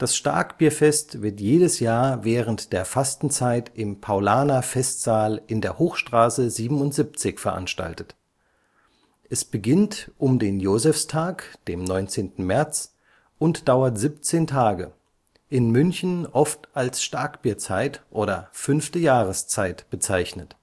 Starkbierfest wird jedes Jahr während der Fastenzeit im Paulaner-Festsaal in der Hochstraße 77 veranstaltet. Es beginnt um den Josefstag (19. März) und dauert 17 Tage, in München oft als Starkbierzeit oder Fünfte Jahreszeit bezeichnet